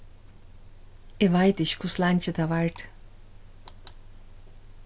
eg veit ikki hvussu leingi tað vardi